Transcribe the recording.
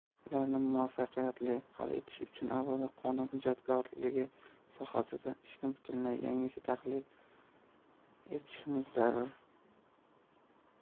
ularni muvaffaqiyatli hal etish uchun avvalo qonun ijodkorligi sohasida ishni butunlay yangicha tashkil etishimiz zarur